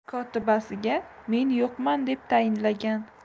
kotibasiga men yo'qman deb tayinlagan